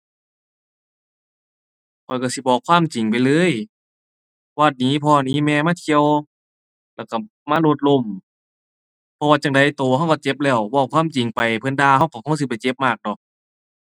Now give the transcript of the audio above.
ข้อยก็สิบอกความจริงไปเลย ว่าหนีพ่อหนีแม่มาเที่ยว แล้วก็มารถล้ม เพราะว่าจั่งใดก็ก็ก็เจ็บแล้ว เว้าความจริงไป เพิ่นด่า ก็ก็คงสิบ่เจ็บมากดอก